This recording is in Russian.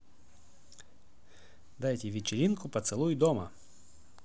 дайте вечеринку поцелуй дома